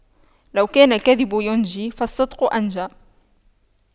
لو كان الكذب ينجي فالصدق أنجى